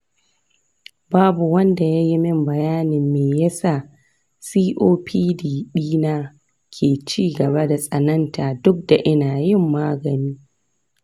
babu wanda yayi min bayanin me ya sa copd ɗina ke ci gaba da tsananta duk da ina yin magani.